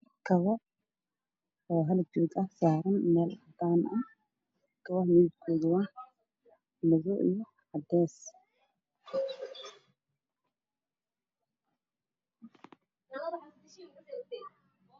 Kabo lagu haayo gacanta ku haayo boor boo-boor ah midka usoo horeeyo wuxuu wataa ookiyaalo madow ah shaati gaiig ah gacanta wuxuu ku hayaa